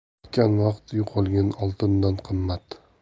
o'tgan vaqt yo'qolgan oltindan qimmat